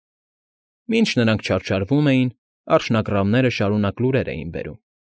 Մինչև նրանք չարչարվում էին, արջնագռավները շարունակ լուրեր էին բերում։